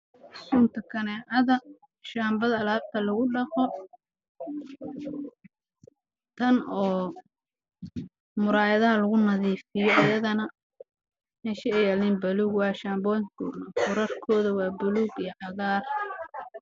Waa sunta kaneecada iyo shaamboyin